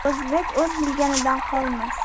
o'zbek o'z bilganidan qolmas